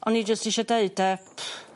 O'n i jyst isio deud yy